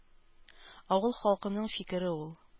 Авыл халкының фикере ул.